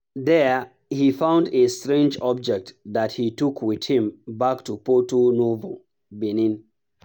There, he found a “strange object” that he took with him back to Porto-Novo, Benin.